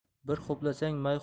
bir ho'plasang may